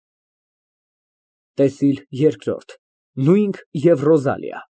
ՏԵՍԻԼ ԵՐԿՐՈՐԴ ՎԱՐԴԱՆ, ԶԱՐՈՒՀԻ ԵՎ ՌՈԶԱԼԻԱ։